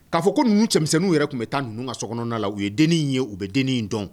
K'a fɔ ko ninnu cɛmisɛnw yɛrɛ tun bɛ taa ninnu ka so kɔnɔna na u ye dennin in ye u bɛ dennin in dɔn